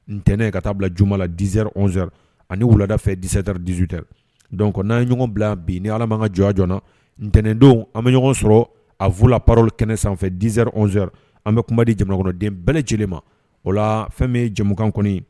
Ntɛnɛn ka taa bila juma la dizr ani wuladafɛ dizdri dzote don ɲɔgɔn bila bi ni ala ma ka jɔjna nttɛnɛnendon an bɛ ɲɔgɔn sɔrɔ a fla parro kɛnɛ sanfɛ dizr an bɛ kuma di jamanakɔrɔden bɛɛ lajɛlen ma o la fɛn bɛ jamukan kɔni